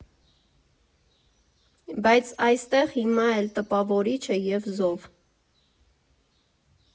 Բայց այստեղ հիմա էլ տպավորիչ է և զով։